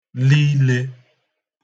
lile